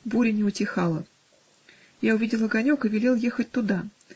Буря не утихала; я увидел огонек и велел ехать туда.